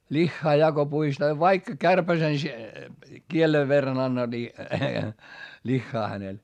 lihaa ja kun puistaa vaikka kärpäsen kielen verran anna niin lihaa hänelle